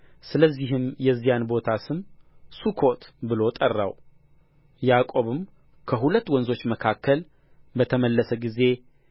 ስለዚህም የዚያን ቦታ ስም ሱኮት ብሎ ጠራው ያዕቆብም ከሁለት ወንዞች መካከል በተመለሰ ጊዜ